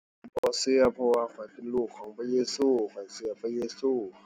บ่เชื่อ เพราะว่าข้อยเป็นลูกของพระเยซู ข้อยเชื่อพระเยซู ⁠